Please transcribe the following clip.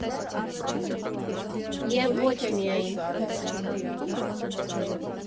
ԵՒ ոչ միայն։